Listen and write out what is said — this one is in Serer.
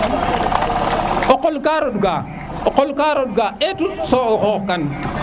o qol ka roɗ ga o qol ka roɗ ga etu so o qox kan